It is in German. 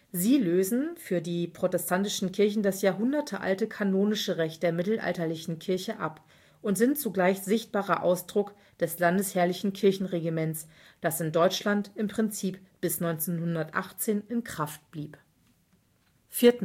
Sie lösen für die protestantischen Kirchen das jahrhundertealte kanonische Recht der mittelalterlichen Kirche ab und sind zugleich sichtbarer Ausdruck des landesherrlichen Kirchenregiments, das in Deutschland im Prinzip bis 1918 in Kraft blieb. Siehe